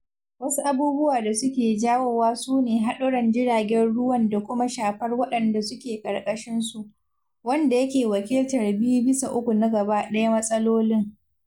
Wasu abubuwa da suke jawowa su ne haɗuran jiragen ruwan da kuma shafar waɗanda suke ƙarƙashinsu, wanda yake wakiltar biyu-bisa-uku na gaba ɗayan matsalolin